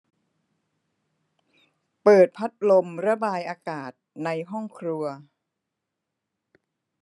เปิดพัดลมระบายอากาศในห้องครัว